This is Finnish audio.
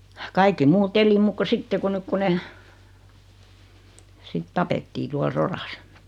kaikki muut eli muuta kuin sitten kun nyt kun ne sitten tapettiin tuolla sodassa